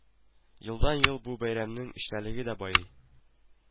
Елдан-ел бу бәйрәмнең эчтәлеге дә байый